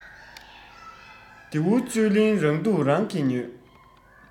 རྡེའུ བཅུད ལེན རང སྡུག རང གིས ཉོས